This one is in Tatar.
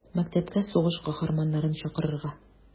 Мәктәпкә сугыш каһарманнарын чакырырга.